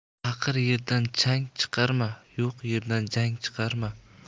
taqir yerdan chang chiqarma yo'q yerdan jang chiqarma